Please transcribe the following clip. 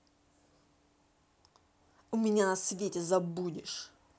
у меня на свете забудешь